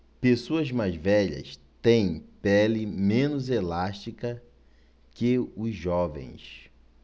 pessoas mais velhas têm pele menos elástica que os jovens